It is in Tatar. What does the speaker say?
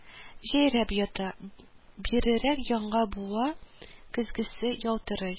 Җәйрәп ята, бирерәк яңа буа көзгесе ялтырый